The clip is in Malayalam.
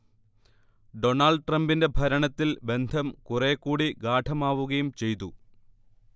ഡൊണാൾഡ് ട്രംപിന്റെ ഭരണത്തിൽ ബന്ധം കുറേക്കൂടി ഗാഢമാവുകയും ചെയ്തു